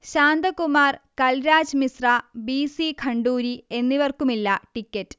Shantakumar, Kalraj Mishra, B. C Khanduri എന്നിവർക്കുമില്ല ticket